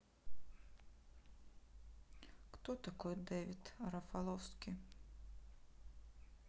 кто такой дэвид рафаловски